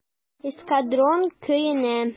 "эскадрон" көенә.